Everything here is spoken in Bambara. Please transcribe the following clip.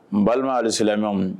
N balima silamɛɲɔgɔnw